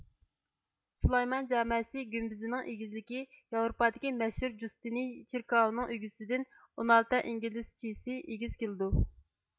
سۇلايمان جاماسى گۈمبىزىنىڭ ئېگىزلىكى ياۋروپادىكى مەشھۇر جۇستىنى چېركاۋىنىڭ ئۆگزىسىدىن ئون ئالتە ئىنگلىز چىسى ئېگىز كېلىدۇ